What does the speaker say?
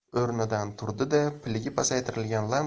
o'rnidan turdi da piligi pasaytirilgan